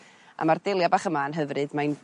a ma'r dahlia bach yma yn hyfryd mae'n